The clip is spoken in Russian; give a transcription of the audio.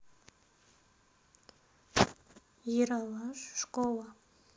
ералаш школа